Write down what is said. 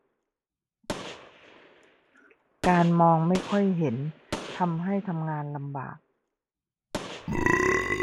การมองไม่ค่อยเห็นทำให้ทำงานลำบาก